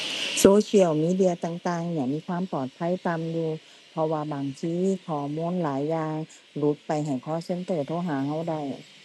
social media ต่างต่างเนี่ยมีความปลอดภัยต่ำอยู่ เพราะว่าบางทีข้อมูลหลายอย่างหลุดไปให้ call center โทรหาเราได้